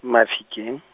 Mafikeng .